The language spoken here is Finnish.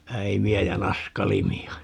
äimiä ja naskalimia